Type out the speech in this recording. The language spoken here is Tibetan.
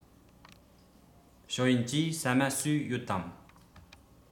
ཞའོ ཡན གྱིས ཟ མ ཟོས ཡོད དམ